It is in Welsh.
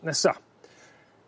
nesa.